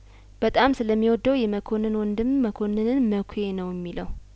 በጣም ስለሚ ወደው የመኮንን ወንድም መኮንንን መኳ ነው የሚለው